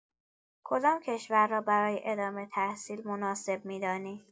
کدام کشور را برای ادامه تحصیل مناسب می‌دانی؟